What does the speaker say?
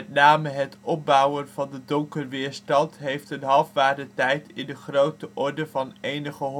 name het opbouwen van de donkerweerstand heeft een halfwaardetijd in de grootteorde van enige